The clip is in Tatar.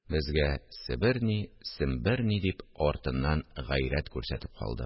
Безгә Себер ни, Сембер ни, – дип, артыннан гайрәт күрсәтеп калдым